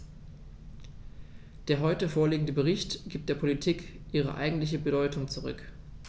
Der heute vorliegende Bericht gibt der Politik ihre eigentliche Bedeutung zurück.